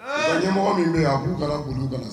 Ye mɔgɔ min don' kalan' kalan